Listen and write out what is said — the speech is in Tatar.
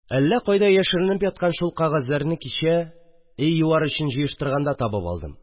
Әллә кайда яшеренеп яткан шул кәгазьләрне кичә өй юар өчен җыештырганда табып алдым